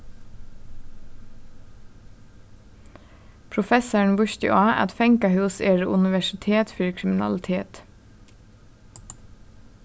professarin vísti á at fangahús eru universitet fyri kriminalitet